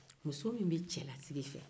muso min bɛ cɛlasigi fɛ